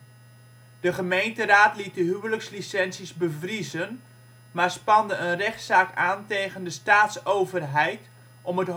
De gemeenteraad liet de huwelijkslicenties bevriezen, maar spande een rechtszaak aan tegen de staatsoverheid om